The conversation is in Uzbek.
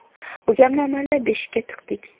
ukamni amallab beshikka tiqdik